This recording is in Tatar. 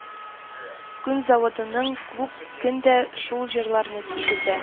Күн заводының клуб көн дә шул җырларны ишетә